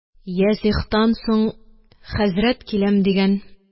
Ясигътан соң хәзрәт киләм дигән